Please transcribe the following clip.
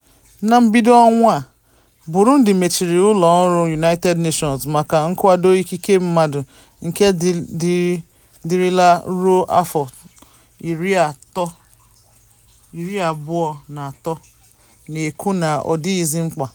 Na mbido ọnwa a, Burundi mechiri ụlọọrụ United Nations maka nkwado ikike mmadụ nke dirila ruo afọ 23, na-ekwu na ọ dịghịzi mkpa.